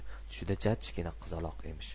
tushida jajjigina qizaloq emish